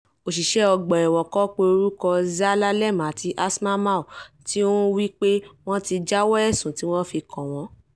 Òṣìṣẹ́ ọgbà ẹ̀wọ̀n kan pe orúkọ Zelalem àti Asmamaw, tí ó ń wí pé wọ́n ti jáwọ́ ẹ̀sùn tí wọ́n fi kàn wọ́n.